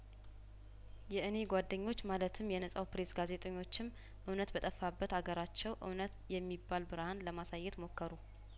የእኔ ጓደኞች ማለትም የነጻው ፕሬስ ጋዜጠኞችም እውነት በጠፋበት አገራቸው እውነት የሚባል ብርሀን ለማሳየት ሞከሩ